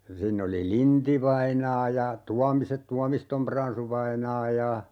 siinä oli Lind-vainaa ja Tuomisen Tuomiston Pransu-vainaa ja